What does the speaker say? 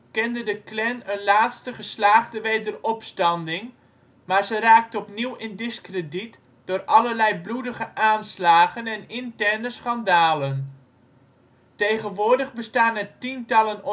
kende de Klan een laatste geslaagde wederopstanding, maar ze raakte opnieuw in diskrediet door allerlei bloedige aanslagen en interne schandalen. Tegenwoordig bestaan er tientallen